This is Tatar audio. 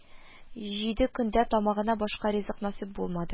Җиде көндә тамагына башка ризык насыйп булмады